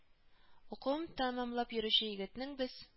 Укуын тәмамлап йөрүче егетне без